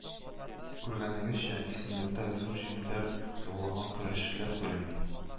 Күргәнегезчә, исемлектә зур җиңүләр яулаган көрәшчеләр күренми